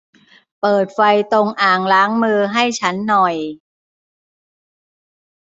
เปิดไฟตรงอ่างล้างมือให้ฉันหน่อย